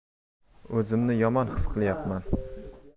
o'zimni yomon his qilayapman